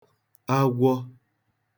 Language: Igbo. agwọ